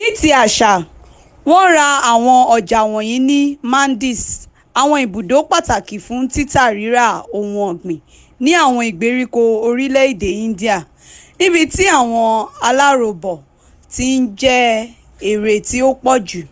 Ní ti àṣà, wọ́n ra àwọn ọjà wọ̀nyí ní "mándis" (àwọn ibùdó pàtàkì fún títà-rírà ohun ọ̀gbìn ní àwọn ìgbèríko orílẹ̀ èdè India), níbi tí àwọn aláròóbọ̀ tí ń jẹ èrè tí ó pọ̀jù.